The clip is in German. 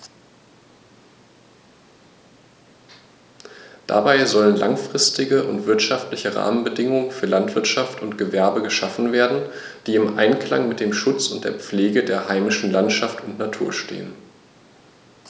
Dabei sollen langfristige und wirtschaftliche Rahmenbedingungen für Landwirtschaft und Gewerbe geschaffen werden, die im Einklang mit dem Schutz und der Pflege der heimischen Landschaft und Natur stehen.